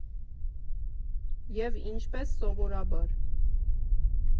ԵՒ ինչպես սովորաբար։